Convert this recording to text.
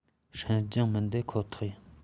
སྲན ལྗང མི འདེབ ཁོ ཐག ཡིན